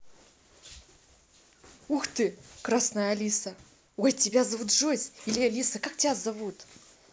ух ты красная алиса ой тебя зовут джойс или алиса как тебя зовут